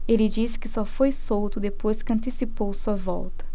ele disse que só foi solto depois que antecipou sua volta